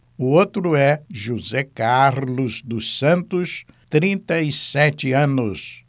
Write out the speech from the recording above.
o outro é josé carlos dos santos trinta e sete anos